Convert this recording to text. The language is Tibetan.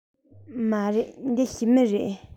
མ རེད འདི ཞི མི རེད